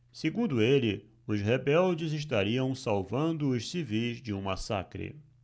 segundo ele os rebeldes estariam salvando os civis de um massacre